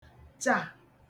chà